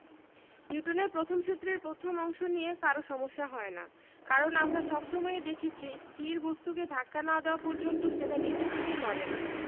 নিউটনের প্রথম সূত্রের প্রথম অংশ নিয়ে কারো সমস্যা হয় না কারণ আমরা সব সময়ই দেখেছি স্থির বস্তুকে ধাক্কা না দেওয়া পর্যন্ত সেটা নিজে থেকে নড়ে না